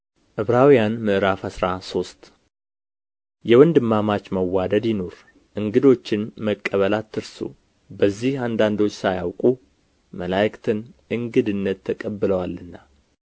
ዕብራውያን ምዕራፍ አስራ ሶስት የወንድማማች መዋደድ ይኑር እንግዶችን መቀበል አትርሱ በዚህ አንዳንዶች ሳያውቁ መላእክትን እንግድነት ተቀብለዋልና